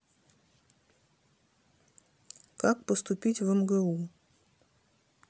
как поступить в мгу